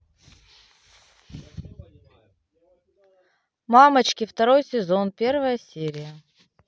мамочки второй сезон первая серия